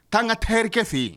' an ka terikɛ fɛ yen